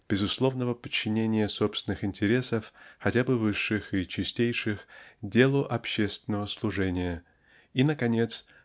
безусловного подчинения собственных интересов (хотя бы высших и чистейших) делу общественного служения и наконец